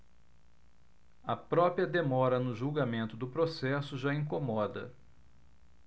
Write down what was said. a própria demora no julgamento do processo já incomoda